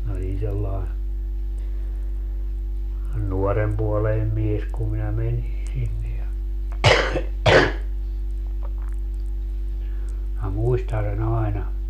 minä olin sellainen nuorenpuoleinen mies kun minä menin sinne ja minä muistan sen aina